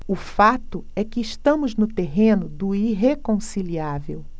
o fato é que estamos no terreno do irreconciliável